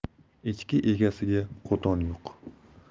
echki egasiga qo'ton yo'q